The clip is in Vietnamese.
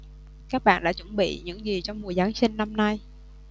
các bạn đã chuẩn bị những gì cho mùa giáng sinh năm nay